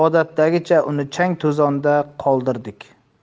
odatdagicha uni chang to'zonda qoldirdik